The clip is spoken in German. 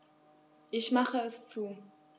Ich mache es zu.